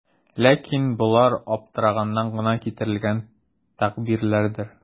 Ләкин болар аптыраганнан гына китерелгән тәгъбирләрдер.